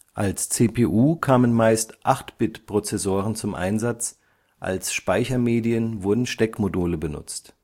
Als CPU kamen meist 8-bit-Prozessoren zum Einsatz, als Speichermedien wurden Steckmodule benutzt